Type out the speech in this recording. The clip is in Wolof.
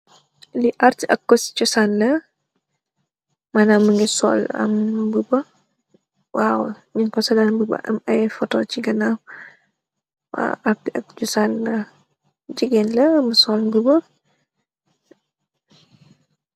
Lii arr ak cosaan la, maanam, mbu ngi sol mbuba, waaw. ñung ko solal mbuba, am ay foto ci ganaaw. Waaw, äda ak cosaan la, jigéen la mu ngi sol mbuba.